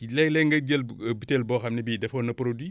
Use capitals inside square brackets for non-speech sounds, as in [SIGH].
léeg-léeg nga jël [HESITATION] butéel boo xam ne bii defoon na produit